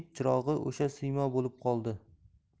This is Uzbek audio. umid chirog'i o'sha siymo bo'lib qoldi